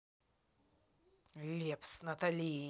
лепс натали